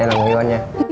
em làm người yêu anh nha